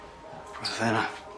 Pwy the 'na.